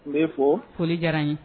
N b'i fo. Foli diyara n ye.